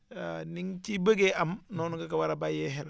ni nga ci bëggee am noonu nga ko war a bàyyee xel